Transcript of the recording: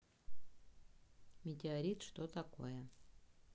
метеорит что такое